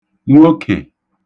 nwok̇è